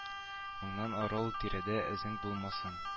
Моннан ары ул тирәдә эзең булмасын